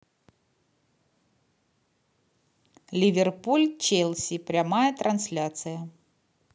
ливерпуль челси прямая трансляция